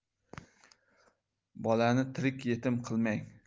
bolani tirik yetim qilmang